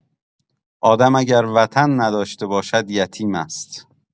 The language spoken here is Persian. آدم اگر وطن نداشته باشد یتیم است.